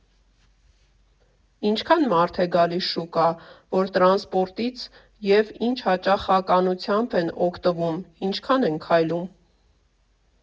Ինչքան մարդ է գալիս շուկա, որ տրանսպորտից և ինչ հաճախականությամբ են օգտվում, ինչքան են քայլում։